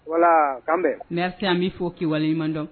Wala kan ne yan min fɔ k' waleɲuman dɔn